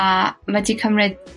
a ma' 'di cymryd